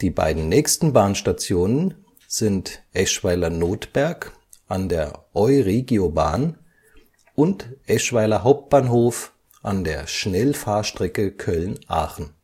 beiden nächsten Bahnstationen sind Eschweiler-Nothberg an der euregiobahn und Eschweiler Hauptbahnhof an der Schnellfahrstrecke Köln – Aachen